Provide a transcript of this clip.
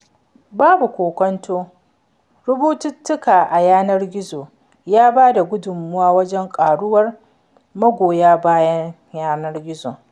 Babu kokwanto rubututtuka a yanar gizo ya ba da gudunmawa wajen ƙaruwar magoya bayan yanar gizo